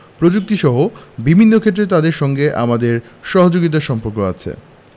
প্রযুক্তিসহ বিভিন্ন ক্ষেত্রে তাদের সঙ্গে আমাদের সহযোগিতার সম্পর্ক আছে